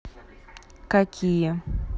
какие